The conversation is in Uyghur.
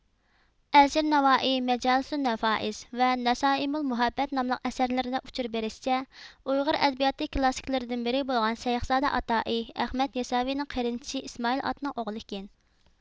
ئەلىشىر نەۋائى مەجالىسۇن نەفائىس ۋە نەسائىمۇل مۇھەببەت ناملىق ئەسەرلىرىدە ئۇچۇر بېرىشىچە ئۇيغۇر ئەدەبىياتى كلاسسىكلىرىدىن بىرى بولغان شەيىخزادە ئاتائى ئەھمەد يەسسەۋىنىڭ قېرىندىشى ئىسمائىل ئاتىنىڭ ئوغلى ئىكەن